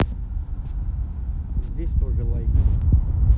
здесь тоже лайк